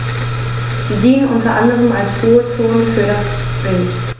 Sie dienen unter anderem als Ruhezonen für das Wild.